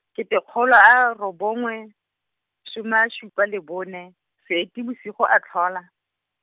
kete kgolo a robongwe, soma a supa le bone, Seetebosigo a tlhola.